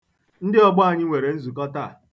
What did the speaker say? Ndị ọgbọ anyị nwere nzukọ taa.